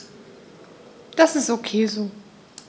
Das ist ok so.